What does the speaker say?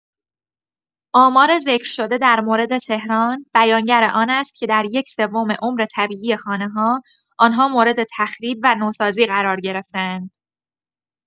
آمار ذکر شده در مورد تهران، بیانگر آن است که در یک‌سوم عمر طبیعی خانه‌ها، آن‌ها مورد تخریب و نوسازی قرار گرفته‌اند.